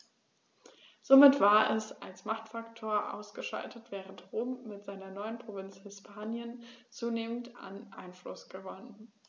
Damit war es als Machtfaktor ausgeschaltet, während Rom mit seiner neuen Provinz Hispanien zunehmend an Einfluss gewann.